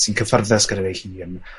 sy'n cyffyrddus gyda fe'i hun.